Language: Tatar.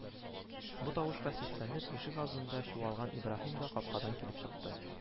Бу тавышка сискәнеп, ишегалдында чуалган Ибраһим да капкадан килеп чыкты